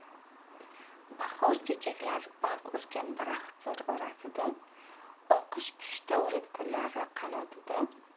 bahor chechaklari barq urgan daraxtzor orasida oqish pushti o'rik gullari qanotida